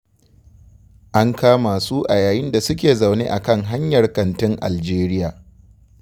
An kama su a yayin da suke zaune a kan hanyar kantin Algeria.